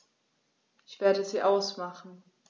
Ich werde sie ausmachen.